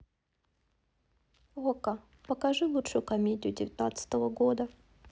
окко покажи лучшую комедию девятнадцатого года